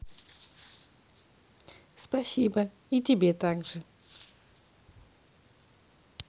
спасибо и тебе также